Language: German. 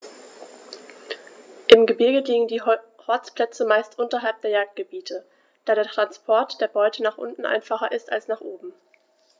Im Gebirge liegen die Horstplätze meist unterhalb der Jagdgebiete, da der Transport der Beute nach unten einfacher ist als nach oben.